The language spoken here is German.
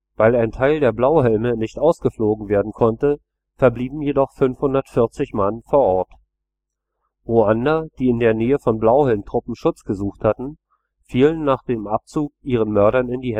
Weil ein Teil der Blauhelme nicht ausgeflogen werden konnte, verblieben jedoch 540 Mann vor Ort. Ruander, die in der Nähe von Blauhelmtruppen Schutz gesucht hatten, fielen nach dem Abzug ihren Mördern in die